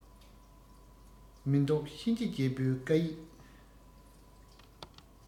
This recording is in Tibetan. མི བཟློག གཤིན རྗེ རྒྱལ པོའི བཀའ ཡིག